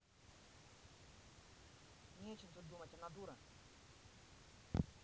не о чем тут думать она дура